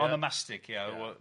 Onomastic ia rw- yy